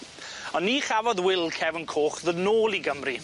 On' ni chafodd Wil Cefn Coch ddod nôl i Gymru.